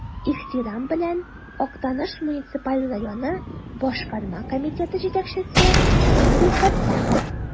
Ихтирам белән, Актаныш муниципаль районы Башкарма комитеты җитәкчесе Энгель Фәттахов.